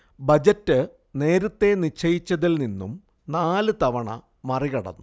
budget നേരത്തേ നിശ്ചയിച്ചതിൽ നിന്നും നാലുതവണ മറികടന്നു